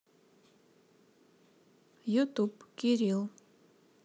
ютуб кирилл